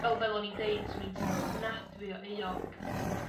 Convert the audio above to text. Fel fel o'n i'n deud 'swn in teimlo'n ofnadwy o euog...